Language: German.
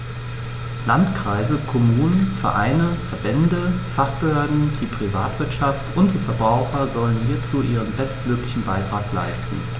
Landkreise, Kommunen, Vereine, Verbände, Fachbehörden, die Privatwirtschaft und die Verbraucher sollen hierzu ihren bestmöglichen Beitrag leisten.